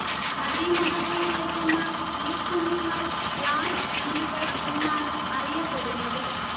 നദീമുഖങ്ങളിലെത്തുന്ന ഈൽക്കുഞ്ഞുങ്ങൾ ഗ്ലാസ് ഈലുകൾ എന്നാണ് അറിയപ്പെടുന്നത്